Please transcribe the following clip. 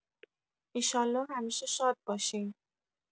ایشالا همیشه شاد باشین